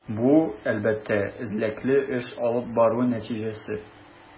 Бу, әлбәттә, эзлекле эш алып бару нәтиҗәсе.